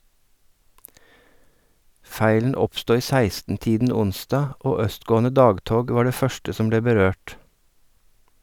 Feilen oppsto i 16-tiden onsdag, og østgående dagtog var det første som ble berørt.